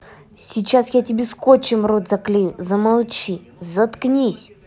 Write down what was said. сейчас я тебе скотчем рот заклею замолчи заткнись